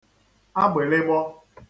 agbị̀lịgbọ